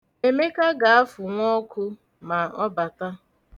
Emeka ga-afunwu ọku ma ọ bata.